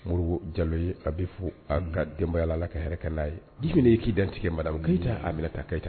Mori jalo ye a bɛ fɔ an ka denbayaya la ka hɛrɛ n'a ye ji ye'i dantigɛ marada kaja a bɛna taa ka ca